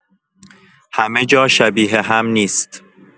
همه‌جا شبیه هم نیست.